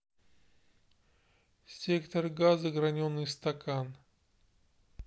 сектор газа граненный стакан